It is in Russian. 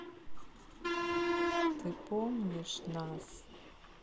ты помнишь нас